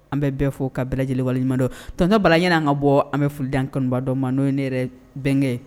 An bɛ bɛɛ fɔ ka bɛɛ lajɛlen waleɲumandon tɔnontan balay an ka bɔ an bɛ folitan kanubadɔ ma n'o ye ne yɛrɛ bɛnkɛ